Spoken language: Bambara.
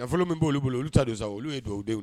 Fɔlɔ min b' olu bolo olu ta don sa olu ye dugawu denw la